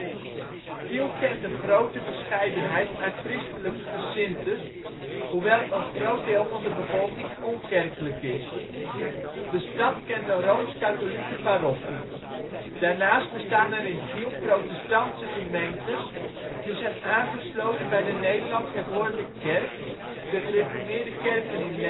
Tiel kent een grote verscheidenheid aan christelijke gezindtes, hoewel een groot deel van de bevolking onkerkelijk is. De stad kent een rooms-katholieke parochie. Daarnaast bestaan er in Tiel protestantse gemeentes die zijn aangesloten bij de Nederlandse Hervormde Kerk, de Gereformeerde Kerken in